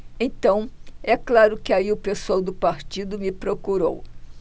então é claro que aí o pessoal do partido me procurou